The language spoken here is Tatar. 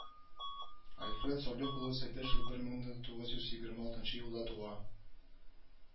Альфред Салих улы Сәйдәшев бер мең дә тугыз йөз егерме алтынчы елда туа